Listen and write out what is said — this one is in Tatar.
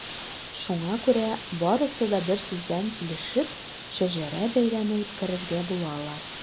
Шуңа күрә барысы берсүздән килешеп “Шәҗәрә бәйрәме” үткәрергә булалар.